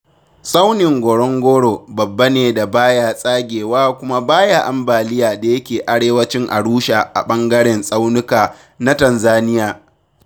Tsaunin Ngorongoro babba ne da ba ya tsagewa kuma ba ya ambaliya da yake arewacin Arusha a ɓangaren tsauninka na Tanzania